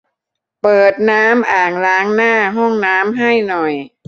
เปิดน้ำอ่างล้างหน้าห้องน้ำให้หน่อย